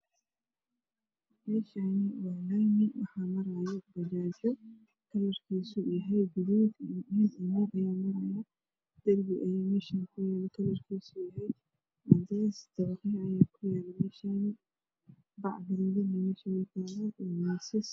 Meeshaan waa laami waxaa maraayo bajaajyo kalaradoodu waa gaduud iyo dahabi. Darbi ayaa kuyaalo meesha oo cadeys ah iyo dabaqyo, bac gaduudan ayaa taalo.